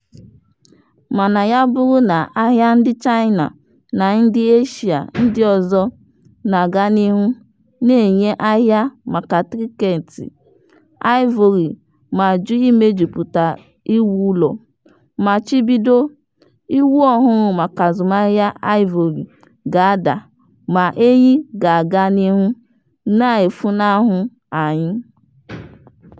Mana ya bụrụ na ahịa ndị China na ndị Asia ndị ọzọ na-aga n'ihu na-enye ahịa maka trịnkeeti aịvorị ma jụ imejupụta iwu ụlọ, mmachibido iwu ọhụrụ maka azụmahịa aịvorị ga-ada ma enyí ga-aga n'ihu na-efunahụ anyị.